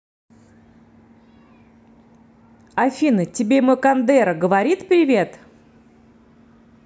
афина тебе мой кондера говорит привет